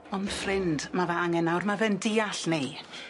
Ond ffrind ma' fe angen nawr ma' fe'n deall 'ny.